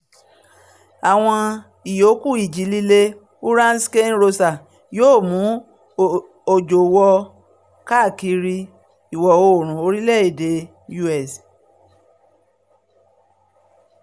Àwọn ìyókù Ìjì-lílè Hurricane Rosa yóò mú òjò wọ káàkàkiri ìwọ̀-oòrùn orílẹ̀-èdè US